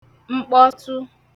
mkpọtụ